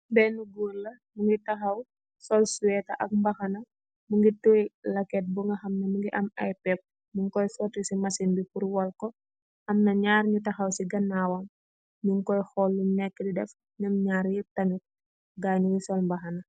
Behnu gorre la mungy takhaw sol sweater ak mbahanah, mungy tiyeh lehket bu nga hamneh mungy am aiiy pehpp, mung koi soti ci machine bi pur wohl kor, amna njarri nju takhaw ci ganawam, nung koi horl lum neka di deff, njom njarr yehp tamit gai nungy sol mbahanah.